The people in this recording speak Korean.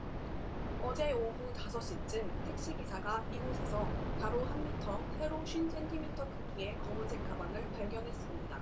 어제 오후 다섯 시쯤 택시기사가 이곳에서 가로 한 미터 세로 쉰 센티미터 크기의 검은색 가방을 발견했습니다